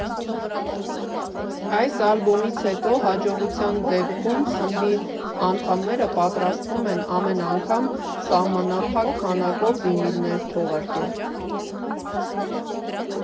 Այս ալբոմից հետո, հաջողության դեպքում խմբի անդամները պատրաստվում են ամեն անգամ սահմանափակ քանակով վինիլներ թողարկել։